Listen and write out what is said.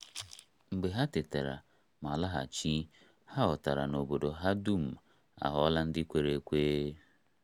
Mgbe ha tetara ma laghachi, ha ghọtara na obodo ahụ dum aghọọla ndị kwere ekwe.